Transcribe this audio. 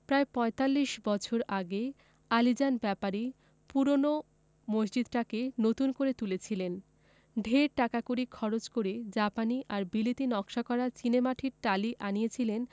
প্রায় পঁয়তাল্লিশ বছর আগে আলীজান ব্যাপারী পূরোনো মসজিদটাকে নতুন করে তুলেছিলেন ঢের টাকাকড়ি খরচ করে জাপানি আর বিলেতী নকশা করা চীনেমাটির টালি আনিয়েছিলেন